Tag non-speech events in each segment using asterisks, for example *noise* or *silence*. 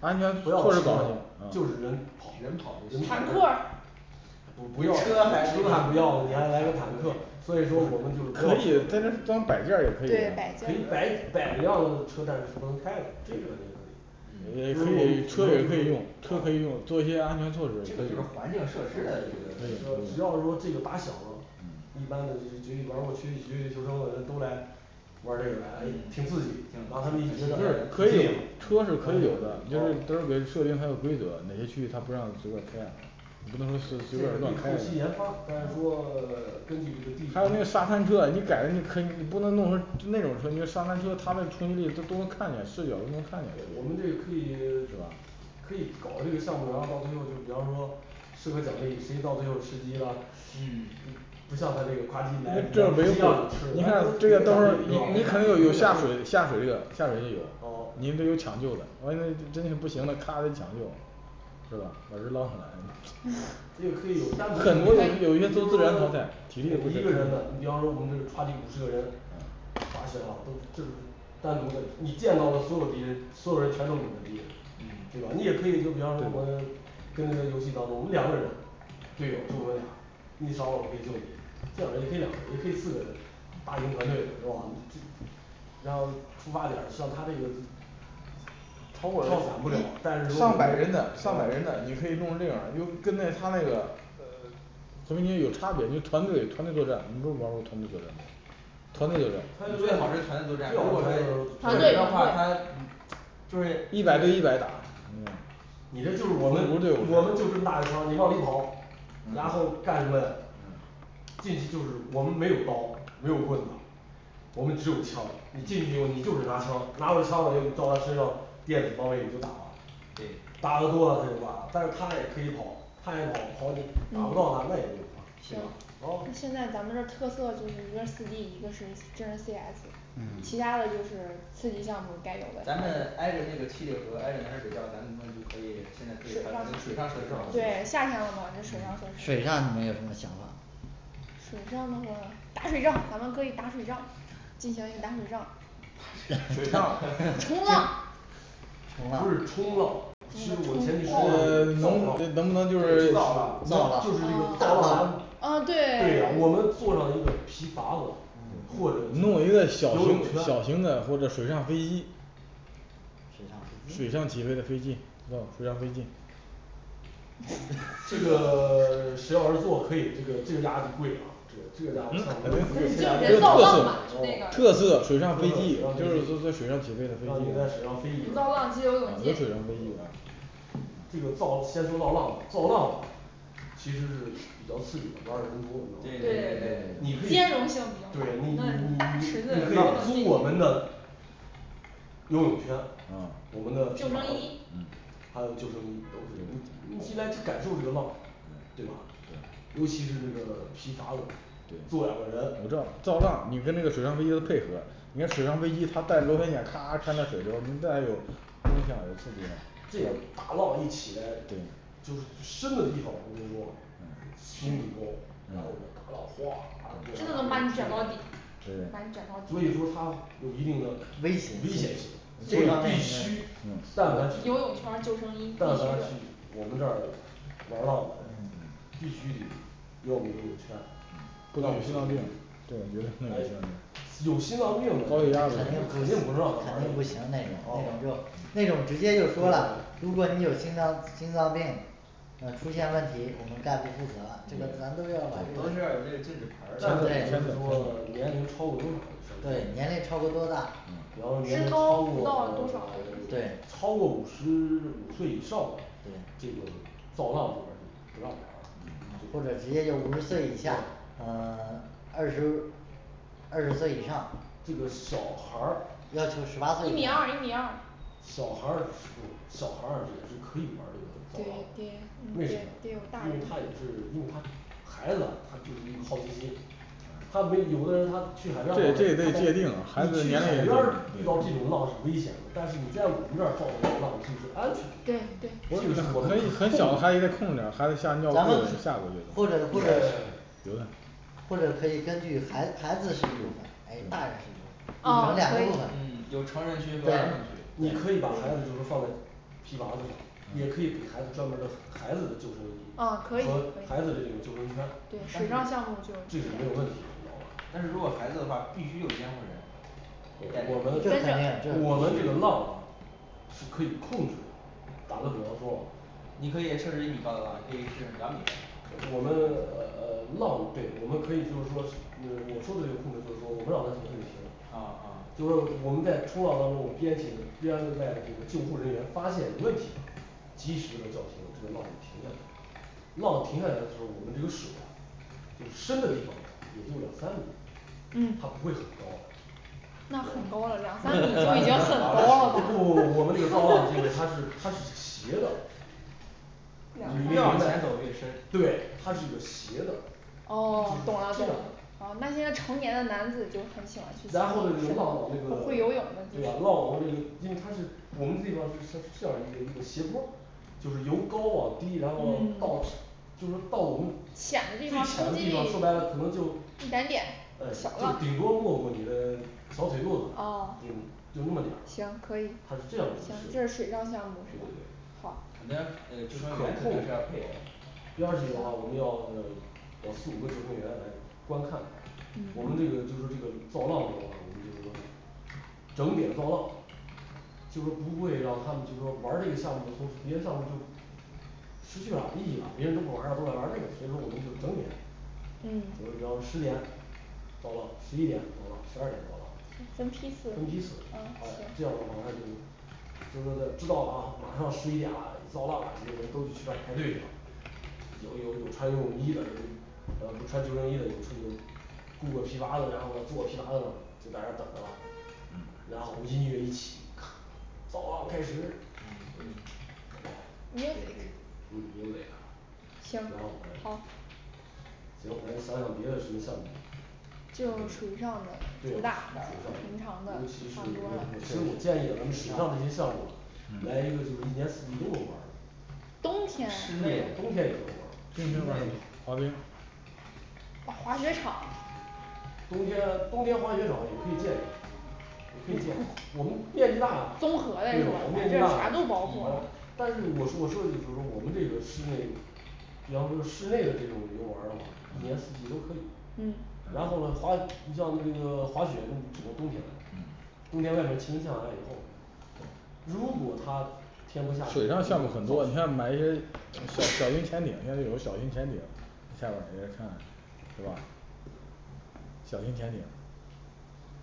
完全不要车了就就是是人人跑人跑跑就行坦克儿不 *unintelligible* 不要车车还还那不要啥你还来个坦克，所以说我们就是不可要可以 *silence* 以摆一去装摆件儿也可以对摆可以辆车但是不能开了，这个完全可以也就是我以 *unintelligible* 我以为，车可以用做一些安全这措施个，就是环境设施的这个问题只要说这个打响了一般的就是局里玩儿过绝地绝地求生的人都来玩儿这个来了诶挺刺挺挺激挺新鲜的车是可以有的但是得设定得有规则哪些区域它不让随便开我们这个可以 *silence* 可以搞一这个项目，然后到最后就比方说 *silence* 适合奖励谁到最后吃鸡啦 *crosstalk* 嗯 *silence* 不像他这个夸击来给个奖让你吃这励是吧下水，下水也有下水也有给抢救万一这真的不行了咔的抢救了这也可以有单独可可以有，有有一一个个以淘都是说汰 *silence* 有一个人的你比方说我们这差距五十个人打起来啦都 *silence* 这都 *silence* 单独的，你见到的所有敌人，所有人全都是你的敌嗯人对 *silence* 吧？你也可以比方说我 *silence* 跟这个游戏当中我们两个人队友就是说你杀了我可以救你，这样也可以两个人也可以四个人大型团队是吧 *silence* 嗯这 *unintelligible* 然后出发点儿像他这个就跳伞不了，但是如果我们 *silence* 所以也有差别，就团队团队作战你们不是玩儿过团队作战吗团队作战最最好好是是团队作战如果说跳团伞队的话团它队就是一百对一百吧嗯你这就是我们 *silence* 我们就这么一大圈儿，你往里跑然后干什么进去就是我们没有刀，没有棍子我们只有枪，你进去以后你就是拿枪，拿着枪了以后你照他身上 *silence* 电子方位你就打了对打的多了他就挂了，但是他也可以跑，他也跑跑，你打不到他那也没有法对行吧嗯嗯现在咱们这特色就是一个四D一个是真人C S其他的就是 *silence* 刺激项目，该有的咱们挨着七里河儿，挨着南水北调，咱们就现在可以 *silence* 现在就可以从水水上上设设置好对 *silence* 夏天了嘛就水上设了，施水上你们有什么想法吗水上的话打水仗，咱们可以打水仗进行一个打水仗打水水仗 *noise* 仗 *noise* 冲浪冲不是浪冲浪，是我们前提嗯是 *silence* *silence* 造浪能不能就造是浪造，浪就是那个造嗯，浪嗯人对对 *silence* 我们坐上一个皮筏子或者 *silence* 弄一个小游泳型小圈型的 *silence* 就是水上飞机水水上上飞机？起飞的飞机是吧水上飞机这个 *silence* 谁要是做可以这个这个家伙就贵了，这 *unintelligible* 这个家伙算没有飞起来的人造浪吧那那个个特特色色在水水上上飞飞一机段就是说水上起飞人造浪激流勇进这个造先说到浪吧造浪 *silence* 其实是 *silence* 比较刺激的，玩对对对儿对的人对多你兼知容性道吗比较你可大以那你大你池子你你你可以租我们的游泳圈嗯，我们的皮救筏生衣子还有就是你你你现在去感受这个浪，对吧尤其是那个 *silence* 皮筏子坐两个我知道人 *silence* 造浪你跟那个水上飞机要配合，你看水上飞机它在咔 *silence* 水流再有这个大浪一起来 *silence* 就是就什么地方我给你说 *silence* 清理过，然后我大浪真哗的能 *silence* 把你卷的到然底后把你卷到所以说它 *silence* 有一定的危危险险性性所以必须嗯 *silence* 但凡去游泳圈儿，救生衣，必需但凡去的我们这儿玩儿浪的人必须得 *silence* 有我们游泳圈有心脏病的这个人肯定不让她玩儿肯定的啊不行那个那个就 *silence* 那对个就直接对就是说啦如果你有心脏心脏病出现问题我们概不负责这个是咱们都要把这都个是要有那个禁止牌儿再一个就是说年龄超过多少的对年龄超过多大然后年身龄高超体重多过少对 *silence* 超过五十 *silence* 五岁以上这个 *silence* 造浪这边就 *silence* 不让玩儿了对这个小孩儿一米二一米二小孩儿也是小孩儿也是可以玩儿这个 *silence* 对造得浪的为得什么？因得有大为人他也是 *silence* 因为他孩子他就是一个好奇心对对对确定啊 *silence* 孩子对对那也得控制啊孩子咱们吓尿裤子也下不下去或者或者或者可以根据孩 *unintelligible* 孩子区域，来大人组成嗯 *silence* 两可个以部嗯 *silence* 有成人区和儿分童区有你可以把孩子就是放在皮筏子上也可以给孩子专门儿的孩子的救生衣嗯可以和可孩子的这种以救生圈，这对水但上是项目就是是没有问题的你知道吧但是如果有孩子的话必须有监护人这是肯定我们但是我们这必这个须浪啊，是可以控制的打个比方说你可以设置一米高的浪，也可以设置两米高的我们 *silence* 呃呃 *silence* 浪 *silence* 对我们可以就是说嗯 *silence* 我说的这个控制就是说我让他停他嗯就停嗯就是说我们在冲浪当中，我们边体的边外的这个救护人员发现有问题了，及时的叫停这个浪就停下来了浪停下来之后，我们的这个水呀水深的地方也就两三米嗯，他不会很高那很高了两三米那也很高了嘛不不不我们 *noise* 这个造浪机它是 *silence* 它是斜的你越往前走越深对 *silence* 它是一个斜的哦 *silence* 就懂了是这懂了样然后有浪那个 *silence* 对浪因为他是 *silence* 我们那个算 *unintelligible* 算是一个一个斜坡儿就是由高往低，然后嗯 *silence* 到 *silence* 就是到我们最浅的地方说白了可能就 *silence* 哎 *silence* 就顶多没过你的 *silence* 小腿肚子就就那么点儿，他是这样一个对对对肯定救生可员肯定是控要配的第二题的话我们要 *silence* 找四五个救生员来观看我们这个就是说这个造浪的啊我们就是说整点造浪就是说不会让他们就说玩儿这个项目的时候儿别的项目就失去啦意义啦，别人都不玩儿啦，都来玩儿这个所以说我们就整点儿就是嗯比方说十点造浪十一点造浪十二点造浪分批次，分批次啊啊这行样的话它就 *silence* 就知道啦啊 *silence* 马上十一点啦造浪啦那些人都去 *unintelligible* 去那排队去啦有有有穿泳衣的，有呃不穿救生衣的，有这个雇个皮筏子，然后坐皮筏子上就在那等着了然后我们音乐一起咔造浪开始嗯，嗯嗯 music music 行好所以咱想想别的什么项目吗对水上尤其是 *silence* 其实我建议我们水上这些项目来一个就是一年四季都能玩儿的冬天冬天室内也能的玩儿，，室内的滑冰滑雪场 *silence* 冬天 *silence* 冬天滑雪场也可以建一个也可以建我们 *silence* 面积大对综合嘞是吧啊我我们们面积这大啥都包括了了，但是我 *unintelligible* 我说的这个就是说我们这个室内比方说室内的这种游玩儿的话，一年四季都可以嗯然后呢滑你像我们那个滑雪只能冬天了冬天外面气温降下来以后如果它天不下雪，我水上项目很们就多造想买一些雪小型潜艇，应该有小型潜艇下面再看看是吧小型潜艇儿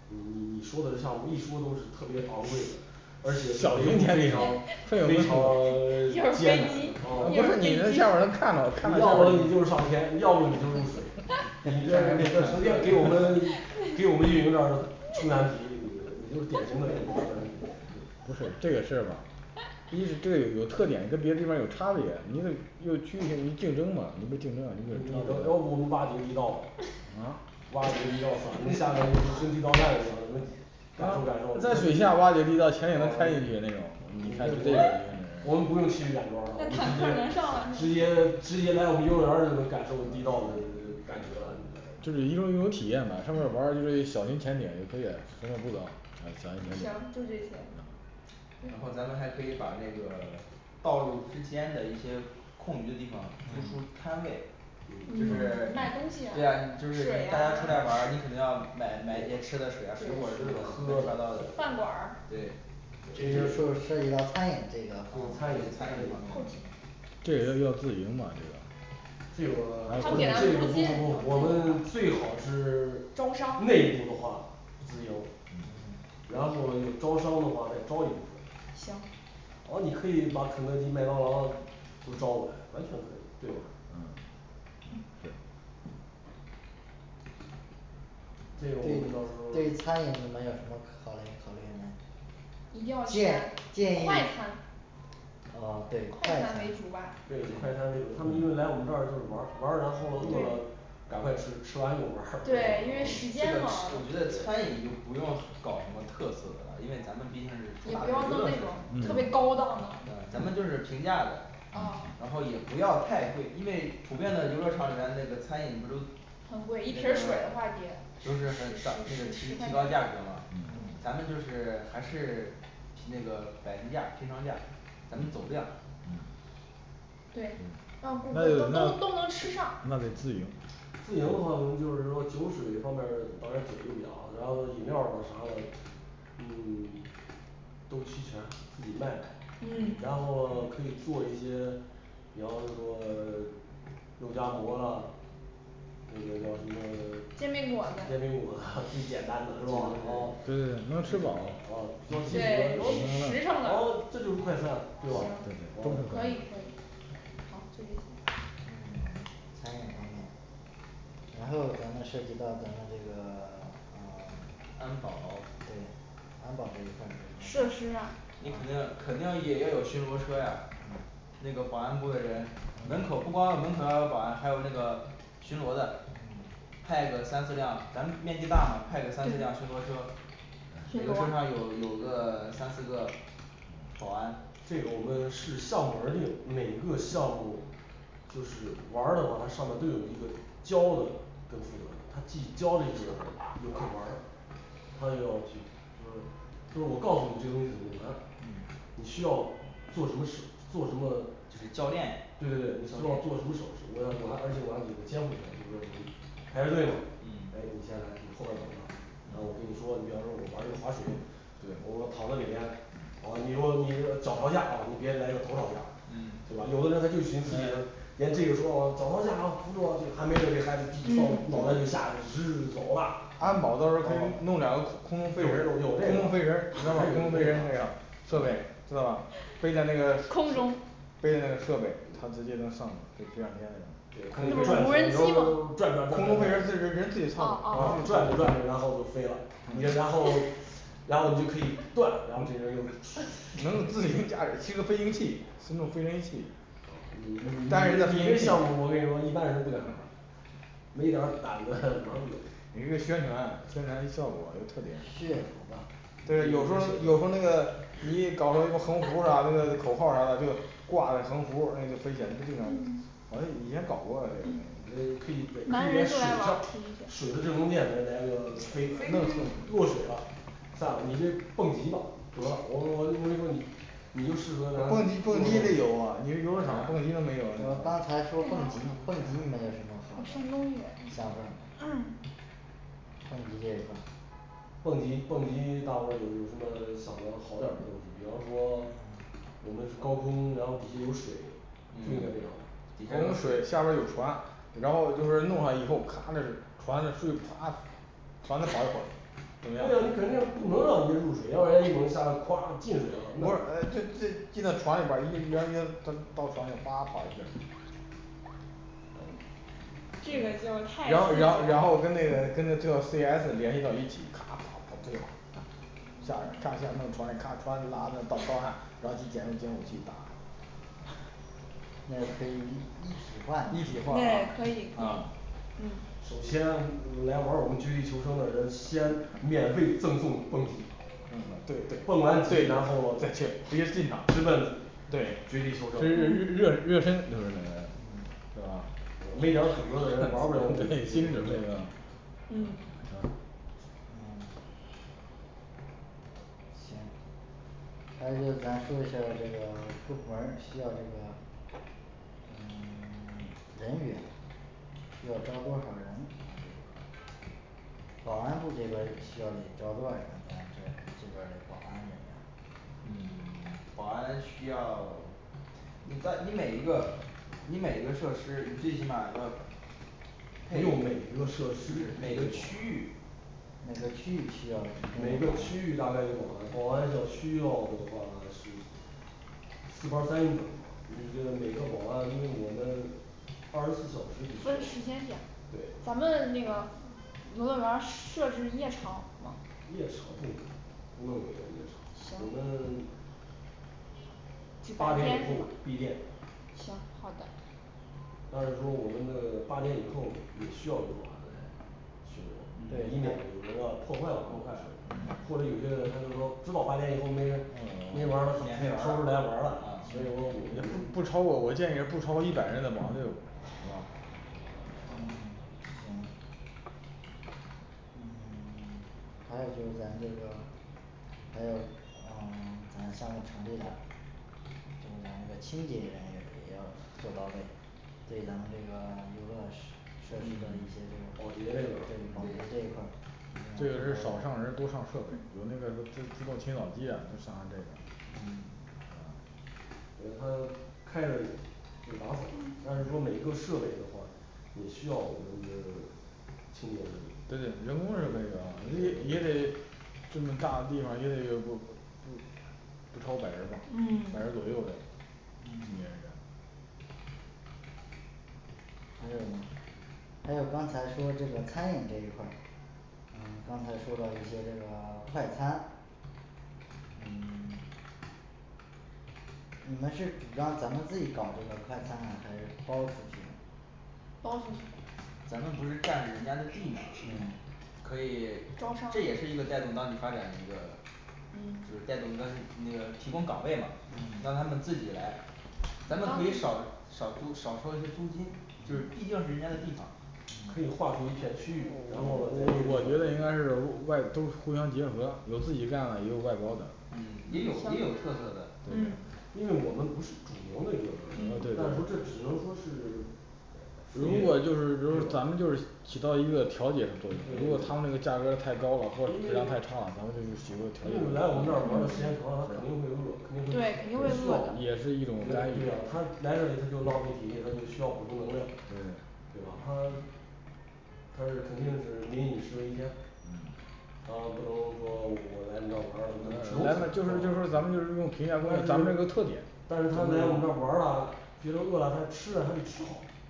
你你你说的项目儿一说都是特别昂贵的一会儿飞机一会儿飞机 *noise* 不是这个事儿吧第一这是有 *silence* 特点，跟别的地方儿有差别，因为因为区域竞竞争嘛你的这个 *noise* 要不我们挖几个地道吧 *noise*，挖了一个地道算了，你们下来跟地道战一样我们水下挖掘地道其实也能开进去那种这是一种娱乐体验嘛上面玩儿的就是小型潜艇也可以的 *noise* 行就这些然后咱们还可以把这个 *silence* 道路之间的一些空余的地方租出摊位就是卖东西啊 *silence* 对呀就是水大啊家出来玩儿，你肯定要 *silence* 买买一些吃的水啊水果儿乱喝七八的糟的啦饭馆儿对就是说涉及到餐饮这个这 *silence* 个餐餐饮饮方面这些都要自营吧这个这个 *silence* 他这们给个咱们不租金不不我们最好是，招商 *silence* 内部的话自营然后呢有招商的话再招一部分行然后你可以把肯德基麦当劳 *silence* 都招过来，完全可以对这个我们到对于时候对于餐 *silence* 饮你们有什么考虑考虑呢一定要建全建议快餐呃 *silence* 对对快快快餐餐餐为为主吧主他们因为来我们这儿就是玩儿玩儿完儿后饿了对赶快吃吃完就是玩儿 *noise* 啊对 *silence* 因为就时是间嘛我觉得餐饮就不用搞什么特色的了，因为咱们毕竟是主打的娱乐设施对嗯咱们就是平价的嗯 *silence* 然后也不要太贵，因为 *silence* 普遍的游乐场里面那个餐饮不都这很贵一瓶个儿水儿的话得 *silence* 十都十是很涨十那个十十提提高块钱价格儿嘛咱们就是 *silence* 还是 *silence* 那个百姓价儿平常价儿，咱们走量对让部门都都都能吃上那得自营自营的话我们就是说酒水方面儿 *silence* 当然，然后饮料儿的啥的 *silence* 嗯 *silence* 都齐全自己卖嗯 *silence*，然后喽可以做一些 *silence* 比方说 *silence* 肉夹馍啊那个叫什么 *silence* 煎煎饼饼果果子子哈 *noise* 最简单这的是吧啊啊都是对对对基比较能吃础最的饱的实基础诚啊的这就是快餐对吧行啊可以可以还有什么想说的吗安保设施啊嗯那个保安部的人门口不光有门口儿要有保安，还有那个巡逻的派一个三四辆，咱们面积大嘛，派个三四辆对巡逻车每个车上有有个 *silence* 三四个保安这个我们 *silence* 视项目而定，每个项目就是玩儿的话，它上面都有一个教的跟负责的，他既教就是 *silence* 游客玩儿他又要去就是就是我告诉你这东西怎么玩儿嗯你需要做什么事做什么就是教练对教对对你需要练做什么手势我我还而且我还要就是说你，就是说你排着队了嗯哎你先来你后面儿走吧然后我跟你说，你比方说我玩儿这个滑雪我躺在里面啊你说你是脚朝下哦，你别来个头朝下嗯 *silence*，对吧有的人他就喜欢刺激他自己说啊脚朝下啊扶住我还没给这个孩子到嗯 *silence* 脑袋就下去直 *silence* 走了，有有有这个有这个有这个设备是吧？飞在那个 *noise* 空中对可以转起来无人机哦哦 *silence* 转转转，哦哦哦 *silence* 转着转着然后就飞啦然后 *silence* 能够自行驾驶飞行器，自动飞行器哦你你你驾驶这这个个你这项目我跟你说一般人不敢拿没点胆子 *noise* 玩儿不了，你这宣传宣传的效果又特别噱头吧 *noise* 嗯反正以前搞过的也是男人过来玩儿多一点散了你这蹦极吧得了我我我没说你你就适合咱蹦极蹦极得有啊你是游乐场蹦极肯定有刚才说蹦极蹦极你们有什么好想法吗蹦极这一块儿蹦极蹦极 *silence* 大伙儿有有什么 *silence* 想的好点儿的东西，比方说 *silence* 我们是高空 *silence* 然后底下有水就嗯在这种 *silence* 底底下下有有水水，下边有船然后就是弄上以后咔的船就啪稍微少一会儿对啊，你肯定不能让人家入水，要万一有人下来夸 *silence* 进水了那啊这这这个船里边儿一感觉到船里哗 *silence* 嗯这个就太刺激然后了然后然后跟那个跟这个C S联系到一起这个下下线弄船一拉到岸然后就捡自己武器那个可以一一一体化。*noise* 体化啊对 *silence* 可以可以嗯首先 *silence* 来玩儿我们绝地求生的人先 *silence* 免费赠送蹦极嗯对蹦完极然后 *silence* 直再去直接进嘛奔对绝地求 *noise* 嗯生热热热身嗯是吧没玩儿水族的人玩儿不了我们这这 *unintelligible* 这个 *silence* 嗯&啊&还有就是咱说一下儿这个各部门儿需要这个嗯 *silence* 人员需要招多少人这一块儿保安部这边儿需要去招多少人？咱这这边儿嘞保安嗯 *silence* 保安需要 *silence* 你但你每一个你每一个设施你最起码儿要不配用每一个不是设施每个区域每每个区域需要个区域大概有保安保安要需要的话 *silence* 是四班三个这个每一个保安因为我们 *silence* 二十四小时比较分时间点儿咱对们 *silence* 那个游乐园设置夜场吗夜场嗯没有夜场我行们 *silence* 只白八点天以是吗后闭店，行好的但是说我们的 *silence* 八点以后也需要有保安来破坏嗯免费玩儿啦啊不超过我建议是不超过一百人来玩儿嗯行还有就是咱这个 *silence* 还有嗯 *silence* 晚上的指挥的嗯 *silence* 就是咱的清洁呢也也要做到位对咱们这个 *silence* 游乐是 *unintelligible* 设施的嗯一些这保个洁这对个保洁对这一块儿这个是少上人儿多上设备，有那个就自自动清扫机啊上上这个嗯啊觉得他开了就打扫，但是说每一个设备的话也需要我们的 *silence* 清洁人员对人工人员你也得 *silence* 这么大的地方儿也得有有不超过百人儿吧嗯百人儿左右吧还有吗还有刚才说这个餐饮这一块儿嗯刚才说到了一些这个 *silence* 快餐你们是主张咱们自己搞这个快餐呢还是包出去包出去咱们不是占着人家的地嘛可以招商 *silence* 这也是一个带动当地发展的一个 *silence* 嗯就是带动当地那个提供岗位嘛，让他们自己来咱当们可地以少少租少收一些租金，就是毕竟是人家的地方我觉得应该是外外租互相结合，有自己干的也有外包的嗯也有行，嗯，也有特色的。因为我们不是主营的那个嗯的但是说这只能说是 *silence* 嗯，对肯定会饿的他这肯定是 *silence* 民以食为天他不能说我来你这儿玩儿了我就不吃东西，是吧但咱是 *silence* 们就是就是说咱们就是用平价，是咱这儿一个特点但是他们来我们这儿玩儿了，觉得饿了他吃啊还得吃好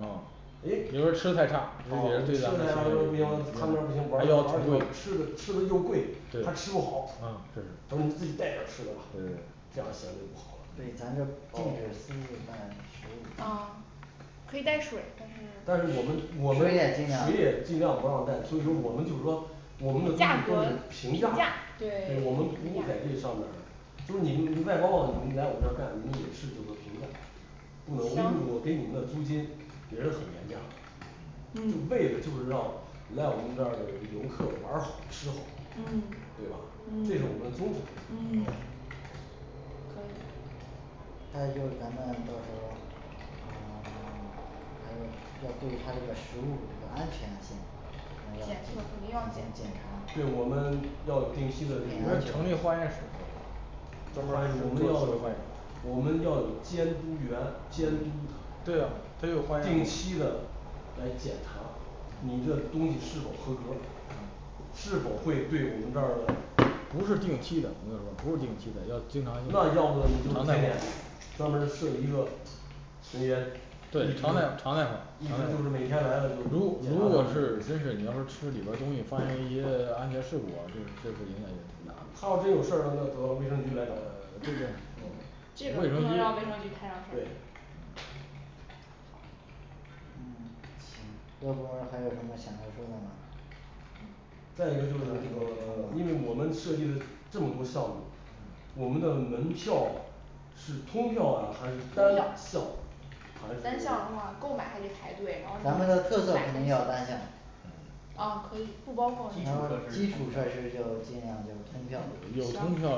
嗯诶哦你吃的太差他们那不行玩儿的，玩儿的好吃的吃的又贵还吃不好，他说你自己带点吃的吧这样儿显的就不好了嗯可以带水，但但是是 *silence* 我们我们水水也也尽量尽量不让带，所以说我们就是说我们的东西价都格是平平价价，对 *silence* 对，我们平不价会在这上面儿就是你们你们外包的，你们来我们这儿干你们也是就是说平价不能因为行我给你们的租金，也是很廉价的就是嗯为了让，来我们这儿的游客玩儿好吃好嗯，对吧，？这是我嗯们的宗，旨啊嗯可以还有就是咱们 *silence* 到时候儿嗯 *silence* 要对它这个食物这个安全性检测肯定要检检检查对我们要有定期的这个 *silence* 成立化验室，呃化验室我们要 *silence* 我们要有监督员监督对啊他就是化他定验室期的来检查你这东西是否合格儿是否会对我们这儿的那不要么你就是是天定期天的的，不是说不是定期的要经常 *silence* 专门儿设一个一直就是每天来了，就是检查你他要真有事儿了，那只能卫生局来找他啊这个不卫能生让卫生局局摊上事儿对嗯 *silence* 行各部门儿还有什么想要说的吗再一个就是这个 *silence* 因为我们设计了这么多项目儿我们的门票是通票啊还是通单票票还单是票的 *silence* 话购买还得排队然后咱买们的特色肯定要单票啊 *silence* 可以不包然括后基基础础设设施施是就通尽票量就通票行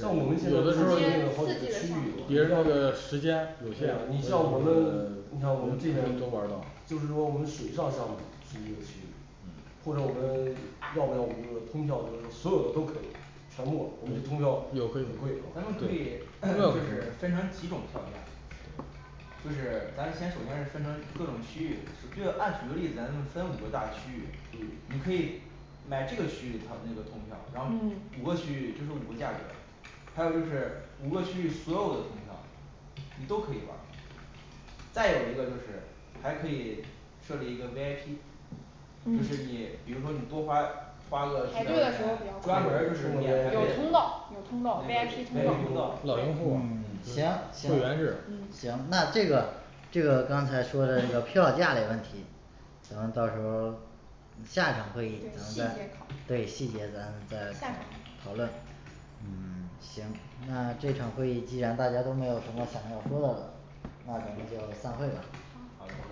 像我们现在就是设定了好几个区域啊，对啊你像我们 *silence* 你像我们这边就是说我们水上项目是一个区域或者我们 *silence* 要不要我们的通票就是所有的都可以全部我们的通票有点很贵贵，咱们可以 *silence* *crosstalk* 就是分成几种票价就是 *silence* 咱先首先是分成各种区域，就这个按举个例子，咱们分五个大区域，你可以买这个区域的他那个通票，然后嗯 *silence* 五个区域就是五个价格还有就是五个区域所有的通票你都可以玩儿再有一个就是还可以设立一个V I P 就是你比如说你多花花嗯个几排百块队的钱时候，专门儿就是比免费较 V I 有 P 通通道有通道道V I P通道对嗯行行行那这个这个刚才说的这个票价的问题然后到时候儿 *silence* 下一场会议咱们再对对细细节节讨咱再论下场讨论嗯 *silence* 行，那这场会议既然大家都没有什么想要说的了，那咱们就散会吧。好好散会的